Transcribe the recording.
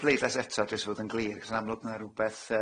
y pleidlais eto jyst i fod yn glir, achos yn amlwg ma'na rwbeth